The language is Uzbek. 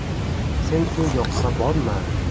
sen u yoqqa borma